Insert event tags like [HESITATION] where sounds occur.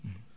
[HESITATION] [HESITATION]